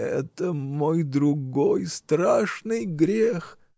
— Это мой другой страшный грех!